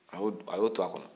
a y'o to a kɔnɔ